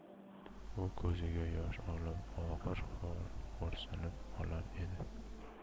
u ko'ziga yosh olib og'ir xo'rsinib olar edi